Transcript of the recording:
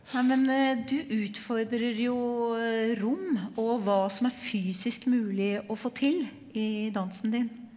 nei men du utfordrer jo rom og hva som er fysisk mulig å få til i dansen din.